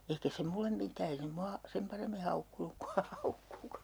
eikä se minulle mitään ei se minua sen paremmin haukkunut kuin hän haukkui